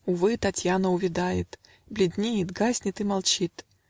Увы, Татьяна увядает, Бледнеет, гаснет и молчит!